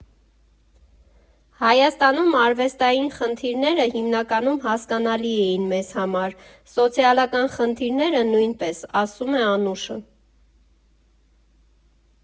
«Հայաստանում արվեստային խնդիրները հիմնականում հասկանալի էին մեզ համար, սոցիալական խնդիրները՝ նույնպես, ֊ ասում է Անուշը։